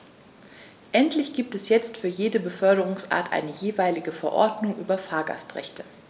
Endlich gibt es jetzt für jede Beförderungsart eine jeweilige Verordnung über Fahrgastrechte.